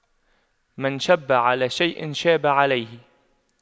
من شَبَّ على شيء شاب عليه